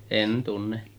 en tunne